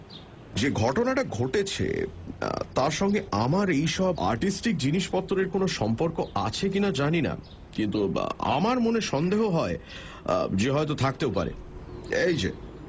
যে ঘটনাটা ঘটেছে তার সঙ্গে আমার এইসব আর্টিস্টিক জিনিসপত্তরের কোনও সম্পর্ক আছে কি না জানি না কিন্তু আমার মনে সন্দেহ হয় যে হয়তো থাকতেও পারে এই যে